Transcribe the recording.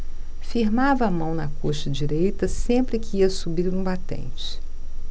firmava a mão na coxa direita sempre que ia subir um batente